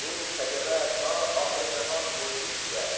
bu kajava to oxir zamon bo'lguncha